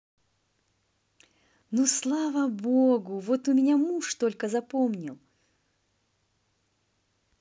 ну слава богу вот у меня муж только запомнил